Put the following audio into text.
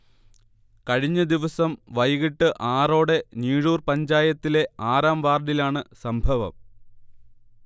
കഴിഞ്ഞദിവസം വൈകീട്ട് ആറോടെ ഞീഴൂർ പഞ്ചായത്തിലെ ആറാം വാർഡിലാണ് സംഭവം